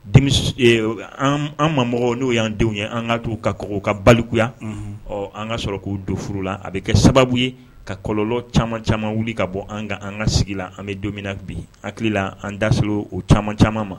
Demis ee w ann an maa mɔgɔw n'o y'an denw ye an ŋa to u ka kɔkɔ u ka balikuya unhun ɔ an ŋa sɔrɔ k'u do furula a bɛ kɛ sababu ye ka kɔlɔlɔ caman caman wuli ka bɔ an kan an ŋa sigi la an bɛ don min na bi hakili la an da ser'o o caman caman ma